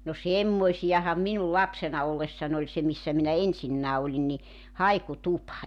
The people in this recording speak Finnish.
no semmoisiahan minun lapsena ollessani oli se missä minä esinnä olin niin haikutupa